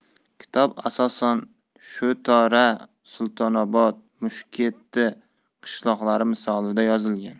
kitob asosan shoto'ra sultonobod mushtketdi qishloqlari misolida yozilgan